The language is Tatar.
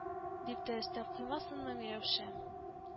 - дип тә өстәп куймасынмы миләүшә